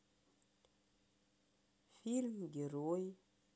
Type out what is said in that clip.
фильм герой